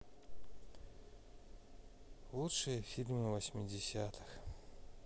лучшие фильмы восьмидесятых